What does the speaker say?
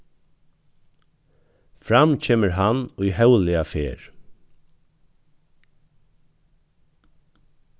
fram kemur hann ið hóvliga fer